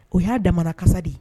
O y'a damanakasa de ye